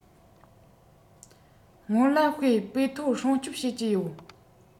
སྔོན ལ དཔེ པོས ཐོ སྲུང སྐྱོབ བྱེད ཀྱིན ཡོད